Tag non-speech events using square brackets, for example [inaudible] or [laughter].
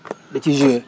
[noise] da ciy joué